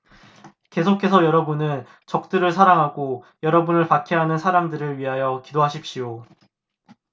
계속해서 여러분의 적들을 사랑하고 여러분을 박해하는 사람들을 위하여 기도하십시오